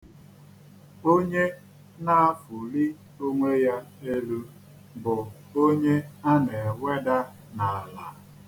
Onye na-afụli onwe ya elu, bụ onye a na-eweda n'ala.